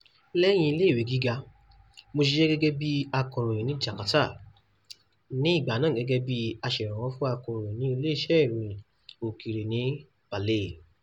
Lẹ́yìn ilé-ìwé gíga, mo ṣiṣẹ́ gẹ́gẹ́ bíi akọ̀ròyìn ní Jakarta, nígbà náà gẹ́gẹ́ bíi aṣèrànwọ́ fún akọ̀ròyìn ní ilé-iṣẹ́ ìròyìn òkèèrè ní Bali.